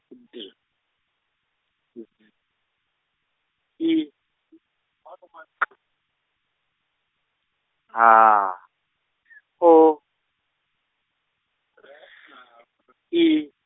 D, Z, I, K, H, O, S, I.